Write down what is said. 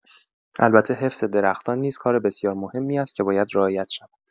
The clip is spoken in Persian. البته حفظ درختان نیز کار بسیار مهمی است که باید رعایت شود.